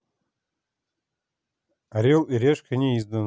орел и решка неизданное